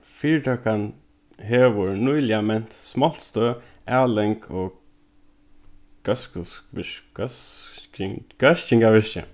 fyritøkan hevur nýliga ment smoltstøð aling og góðskingarvirki